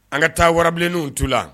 An ka taa warabilennenw'u la